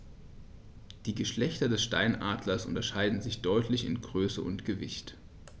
Die Geschlechter des Steinadlers unterscheiden sich deutlich in Größe und Gewicht.